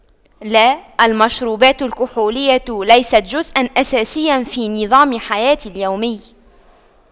لا المشروبات الكحولية ليست جزءا أساسيا في نظام حياتي اليومي